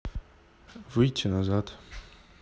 выйти назад